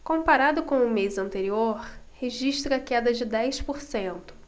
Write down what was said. comparado com o mês anterior registra queda de dez por cento